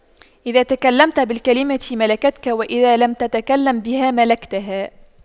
إذا تكلمت بالكلمة ملكتك وإذا لم تتكلم بها ملكتها